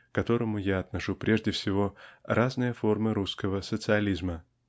к которому я отношу прежде всего разные формы русского социализма.